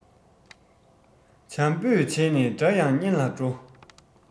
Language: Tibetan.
བྱམས པོས བྱས ན དགྲ ཡང གཉེན ལ འགྲོ